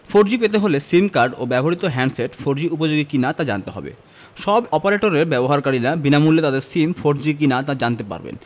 four G পেতে হলে SIM card ও ব্যবহৃত হ্যান্ডসেট ফোরজি উপযোগী কিনা তা জানতে হবে সব অপারেটরের ব্যবহারকারীরা বিনামূল্যে তাদের সিম ফোরজি কিনা তা জানতে পারবেন